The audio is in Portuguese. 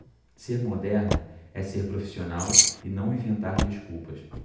ser moderno é ser profissional e não inventar desculpas